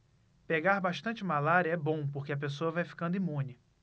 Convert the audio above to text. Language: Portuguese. pegar bastante malária é bom porque a pessoa vai ficando imune